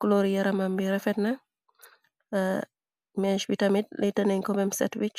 cloriyeramam bi refetna, meebi tamit letanan ko mem setwich.